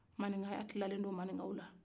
maninkaya tilalen do maninkaw la